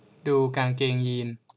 ดูกางเกงยีนส์